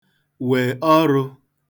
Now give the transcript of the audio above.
wè ọrụ